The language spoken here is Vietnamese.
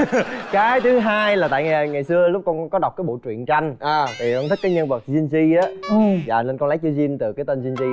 cái thứ hai là tại ngày xưa lúc con có đọc cái bộ truyện tranh thì con thích cái nhân vật din di á dạ nên con lấy chữ din từ cái tên din di